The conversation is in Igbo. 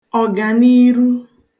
ọ̀gàniru